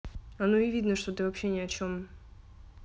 оно и видно что ты вообще ни о чем